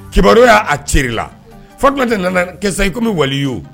Kibaruya y'a ci la fatutɛ nana kɛsa i kɔmi bɛ wali yeo